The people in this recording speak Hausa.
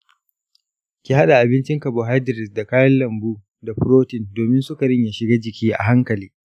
ki haɗa abincin carbohydrates da kayan lambu da protein domin sukarin ya shiga jiki a hankali.